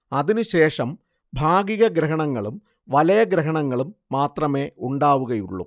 അതിനുശേഷം ഭാഗികഗ്രഹണങ്ങളും വലയഗ്രഹണങ്ങളും മാത്രമേ ഉണ്ടാവുകയുള്ളൂ